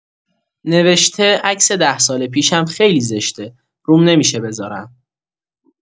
نوشته عکس ده سال پیشم خیلی زشته روم نمی‌شه بذارم.